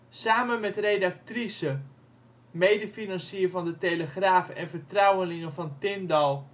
Samen met redactrice (medefinancier van de Telegraaf en vertrouwelinge van Tindal